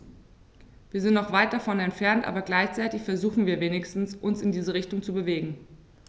Wir sind noch weit davon entfernt, aber gleichzeitig versuchen wir wenigstens, uns in diese Richtung zu bewegen.